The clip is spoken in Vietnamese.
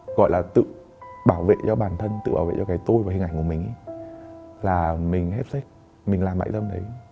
gọi là tự bảo vệ cho bản thân tự bảo vệ cho cái tôi và hình ảnh của mình ý là mình hét sếch mình làm mại dâm đấy